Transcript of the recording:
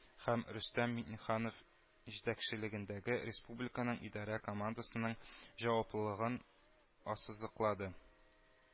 Һәм рөстәм миңнеханов җитәкчелегендәге республиканың идарә командасының җаваплылыгын ассызыклады